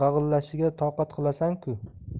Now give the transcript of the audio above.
g'ag'illashiga toqat qilasan ku